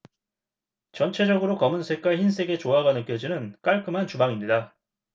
전체적으로 검은색과 흰색의 조화가 느껴지는 깔끔한 주방입니다